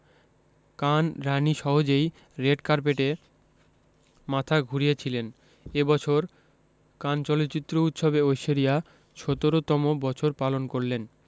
কান রাণী সহজেই রেড কার্পেটে মাথা ঘুরিয়েছিলেন এ বছর কান চলচ্চিত্র উৎসবে ঐশ্বরিয়া ১৭তম বছর পালন করলেন